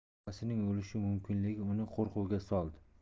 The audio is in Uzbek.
bolasining o'lishi mumkinligi uni qo'rquvga soldi